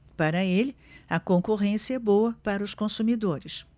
para ele a concorrência é boa para os consumidores